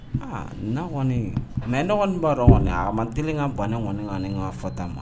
Aa na kɔniɔni mɛin b'a dɔn kɔniɔni a man delieli ka ban kɔniɔni kɔni ka fata